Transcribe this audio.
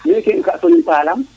*